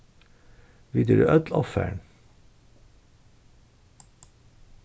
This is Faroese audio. vit eru øll ovfarin